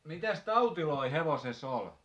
no mitäs tauteja hevosessa oli